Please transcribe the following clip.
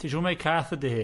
Ti'n siŵr mai cath ydi hi?